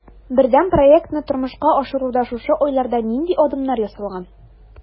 Бердәм проектны тормышка ашыруда шушы айларда нинди адымнар ясалган?